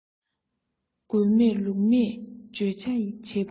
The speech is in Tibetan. དགོས མེད ལུགས མེད བརྗོད བྱ བྱེད པ ཡི